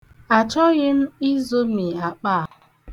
Achọghị m izomi akpa a.